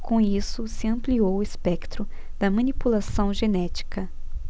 com isso se ampliou o espectro da manipulação genética